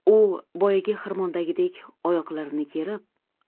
u boyagi xirmondagidek oyoqlarini kerib